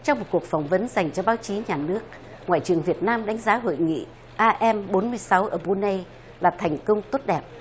trong một cuộc phỏng vấn dành cho báo chí nhà nước ngoại trưởng việt nam đánh giá hội nghị a em bốn mươi sáu ở bun đây là thành công tốt đẹp